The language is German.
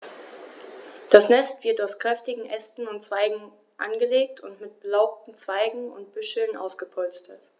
Das Nest wird aus kräftigen Ästen und Zweigen angelegt und mit belaubten Zweigen und Büscheln ausgepolstert.